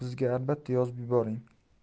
bizga albatta yozib yuboring